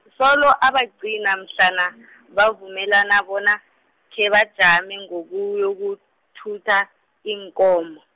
solo abagcina mhlana , bavumelana bona, khebajame ngokuyokuthutha, iinkomo.